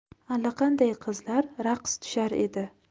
allaqanday qizlar raqs tushar edi